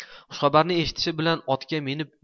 xushxabarni eshitishi bilan otga minib